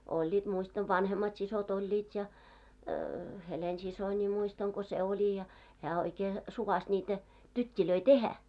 olivat muistan vanhemmat siskot olivat ja Helena-siskoni muistan kun se oli ja hän oikein suvaitsi niitä tyttejä tehdä